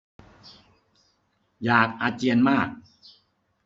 อยากอาเจียนมาก